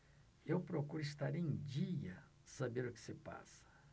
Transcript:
eu procuro estar em dia saber o que se passa